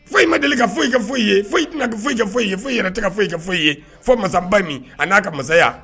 Foyi i ma deli ka foyi i kɛ foyi i ye foyi foyi foyi i ye foyi i yɛrɛ tɛ ka foyi i kɛ foyi' i ye fɔ masaba min a n'a ka masaya